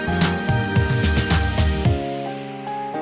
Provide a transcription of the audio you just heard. anh về